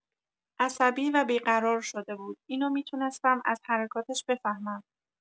عصبی و بی‌قرار شده بود، اینو می‌تونستم از حرکاتش بفهمم.